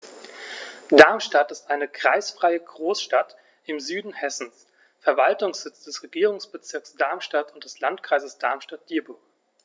Darmstadt ist eine kreisfreie Großstadt im Süden Hessens, Verwaltungssitz des Regierungsbezirks Darmstadt und des Landkreises Darmstadt-Dieburg.